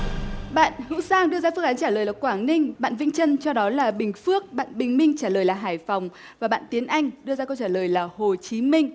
bạn hữu sang đưa ra phương án trả lời là quảng ninh bạn vĩnh trân cho đó là bình phước bạn bình minh trả lời là hải phòng và bạn tiến anh đưa ra câu trả lời là hồ chí minh